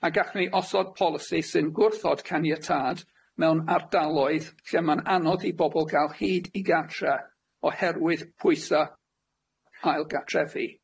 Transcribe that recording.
A gallwn ni osod polisi sy'n gwrthod caniatâd mewn ardaloedd lle ma'n anodd i bobol ga'l hyd i gatre oherwydd pwysa ailgatrefi.